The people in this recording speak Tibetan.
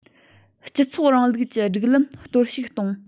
སྤྱི ཚོགས རིང ལུགས ཀྱི སྒྲིག ལམ གཏོར བཤིག གཏོང